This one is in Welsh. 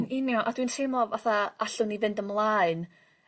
Yn union a dwi'n teimlo fatha allwn ni fynd ymlaen.